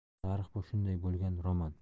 tarix bu shunday bo'lgan roman